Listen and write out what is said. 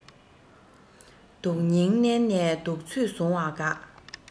སྡུག སྙིང མནན ནས སྡུག ཚོད བཟུང བ དགའ